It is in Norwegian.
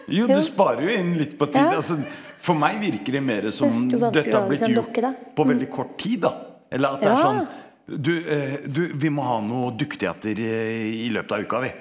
jo du sparer jo inn litt på tid, altså for meg virker det mere som dette har blitt gjort på veldig kort tid da, eller at det er sånn du du vi må ha noe dukketeater i løpet av uka vi.